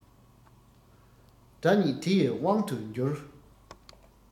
དགྲ ཉིད དེ ཡི དབང དུ འགྱུར